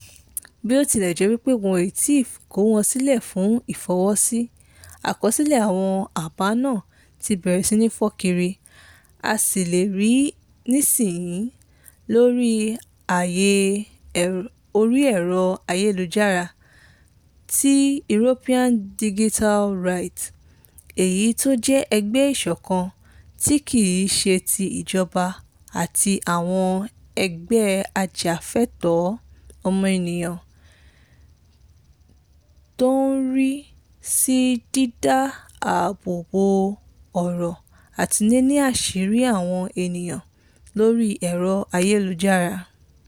Bí ó tilẹ̀ jẹ́ pé wọn ò tíi kó wọn silẹ fún ìfọwọ́sí, àkọsílẹ̀ àwọn àbá náà ti bẹ̀rẹ̀ síi fọ́n kiri, a sì lè ri nisinyii lórí ààyè orí ẹ̀rọ ayélujára tí European Digital Rights, èyí tó jẹ́ ẹgbẹ́ ìsọ̀kan tí kìí ṣe ti ìjọba àti àwọn ẹgbẹ́ ajàfẹ́tọ̀ọ́ ọmọniyàn tó ń rí sí dídá ààbò bo ọ̀rọ̀ àti níní àṣírí àwọn èèyàn lórí ẹ̀rọ ayélujára.